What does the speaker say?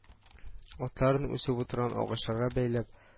Атларын үсеп утырган агачларга бәйләп